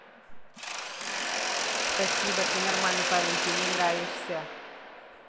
спасибо ты нормальный парень ты мне нравишься